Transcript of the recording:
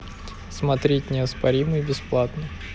смотреть неоспоримый бесплатно